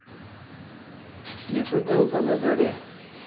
клипы группы на заре